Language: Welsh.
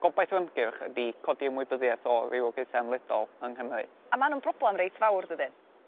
Gobaith yr ymgyrch ydi codi ymwybyddiaeth o rywogaetha ymledol yng Nghymru. A ma' nw'n broblam reit fawr dydyn?